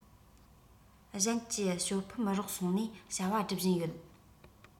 གཞན གྱིས ཞོ ཕམ རོགས སོང ནས བྱ བ སྒྲུབ བཞིན ཡོད